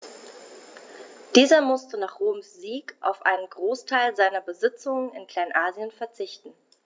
Dieser musste nach Roms Sieg auf einen Großteil seiner Besitzungen in Kleinasien verzichten.